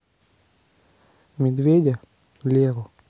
медведя леру